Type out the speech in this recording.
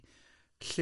teli